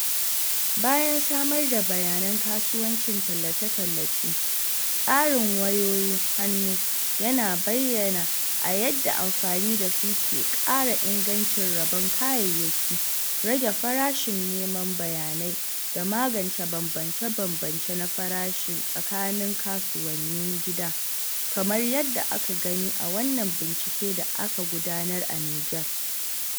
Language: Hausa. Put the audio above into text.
Bayan samar da bayanan kasuwanci/tallace-tallace, tasirin wayoyin hannu yana bayyana a yadda amfani da su ke ƙara ingancin rabon kayayyaki, rage farashin neman bayanai, da magance bambance-bambance na farashi tsakanin kasuwannin gida, kamar yadda aka gani a wannan bincike da aka gudanar a Niger.